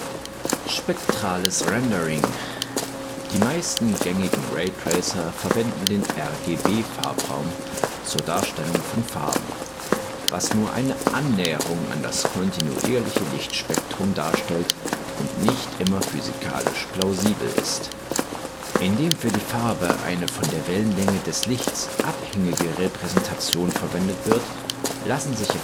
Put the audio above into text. Spektrales Rendering Die meisten gängigen Raytracer verwenden den RGB-Farbraum zur Darstellung von Farben, was nur eine Annäherung an das kontinuierliche Lichtspektrum darstellt und nicht immer physikalisch plausibel ist. Indem für die Farbe eine von der Wellenlänge des Lichts abhängige Repräsentation verwendet wird, lassen sich